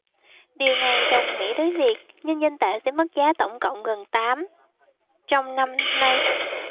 điều này đồng nghĩa với việc nhân dân tệ sẽ mất giá tổng cộng gần tám trong năm nay